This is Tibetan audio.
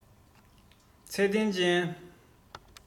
ཚད ལྡན ཅན